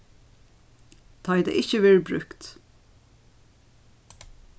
tá ið tað ikki verður brúkt